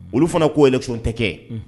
Olu fana k' yɛrɛ son tɛ kɛ